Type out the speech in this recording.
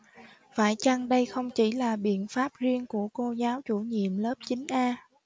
phải chăng đây không chỉ là biện pháp riêng của cô giáo chủ nhiệm lớp chín a